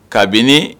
Kabini